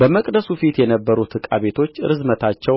በመቅደሱ ፊት የነበሩት ዕቃ ቤቶች ርዝመታቸው